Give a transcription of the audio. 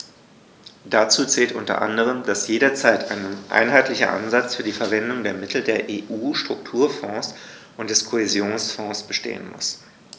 Dazu zählt u. a., dass jederzeit ein einheitlicher Ansatz für die Verwendung der Mittel der EU-Strukturfonds und des Kohäsionsfonds bestehen muss.